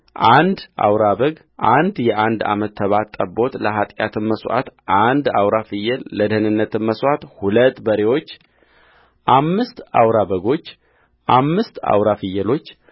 አንድ አውራ በግ አንድ የአንድ ዓመት ተባት ጠቦትለኃጢአትም መሥዋዕት አንድ አውራ ፍየልለደኅነትም መሥዋዕት ሁለት በሬዎች አምስት አውራ በጎች አምስት አውራ ፍየሎች